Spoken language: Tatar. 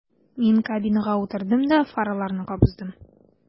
Мин кабинага утырдым да фараларны кабыздым.